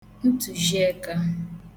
ntùzhieka